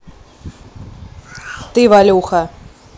ты валюха